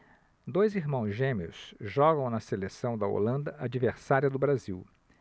dois irmãos gêmeos jogam na seleção da holanda adversária do brasil